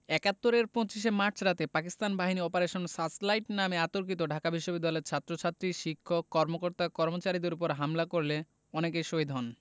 ৭১ এর ২৫ মার্চ রাতে পাকিস্তান বাহিনী অপারেশন সার্চলাইট নামে অতর্কিত ঢাকা বিশ্ববিদ্যালয়ের ছাত্রছাত্রী শিক্ষক কর্মকর্তা কর্মচারীদের উপর হামলা করলে অনেকে শহীদ হন